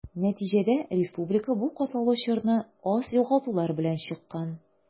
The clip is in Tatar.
Нәтиҗәдә республика бу катлаулы чорны аз югалтулар белән чыккан.